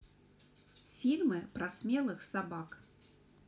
фильмы про смелых собак